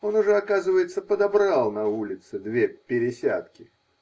Он уже, оказывается, подобрал на улице две "пересядки".